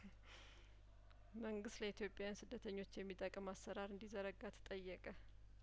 መንግስት ለኢትዮጵያውያን ስደተኞች የሚጠቅም አሰራር እንዲዘረጋ ተጠየቀ